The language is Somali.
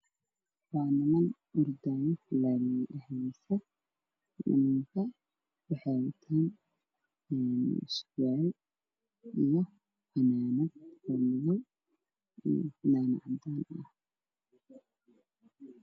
Waa niman ordaayo laami waxay wataan surwaal iyo fanaanad oo madow ah iyo fanaanad cadaan ah.